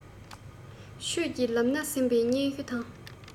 ཆོས ཀྱི ལམ སྣ ཟིན པའི སྙན ཞུ དང